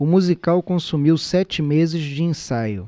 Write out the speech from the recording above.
o musical consumiu sete meses de ensaio